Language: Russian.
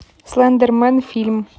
слендермен фильм